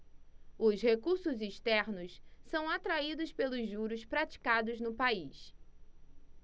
os recursos externos são atraídos pelos juros praticados no país